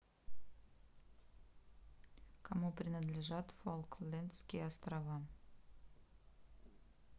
кому принадлежат фолклендские острова